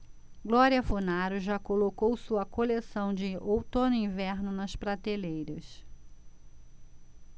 glória funaro já colocou sua coleção de outono-inverno nas prateleiras